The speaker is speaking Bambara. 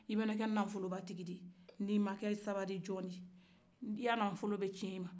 i mana kɛ nafolobatigi ye n'i ma sabarijɔn ye i ka nafolo bɛ cɛn e ma